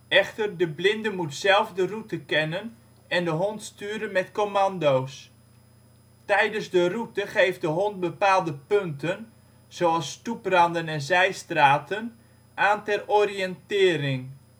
Echter, de blinde moet zelf de route kennen en de hond sturen met commando’ s. Tijdens de route geeft de hond bepaalde punten, zoals stoepranden en zijstraten, aan ter oriëntering